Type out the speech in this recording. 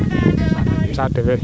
saq saate fe